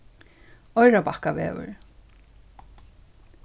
oyrarbakkavegur